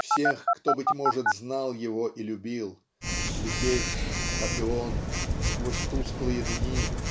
всех, кто, быть может, знал его и любил, лететь как и он сквозь тусклые дни